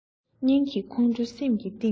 སྙིང གི ཁོང ཁྲོ སེམས ཀྱི གཏིང ནས ཐོན